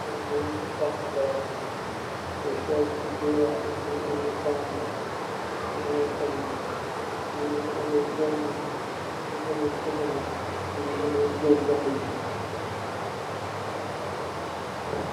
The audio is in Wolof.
Lekah bi munge si kastulol bi munge ame kan njah munge ame nyam mbi munge ame supameh ak jheen tamit